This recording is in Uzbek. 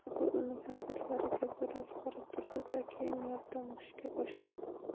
mahbuba uning harakatlariga bir oz qarab turdida keyin yordamlasha boshladi